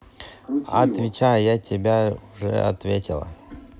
a отвечай я тебе уже ответила